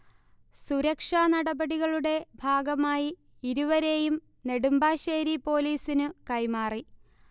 സുരക്ഷാ നടപടികളുടെ ഭാഗമായി ഇരുവരെയും നെടുമ്പാശ്ശേരി പൊലീസിനുകൈമാറി